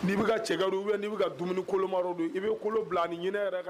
N'i be ka cɛkɛ dun ou bien n'i be ka dumuni koloma dɔ dun i be kolo bila ani ɲɛnɛ yɛrɛ ka